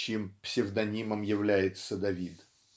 чьим псевдонимом является Давид.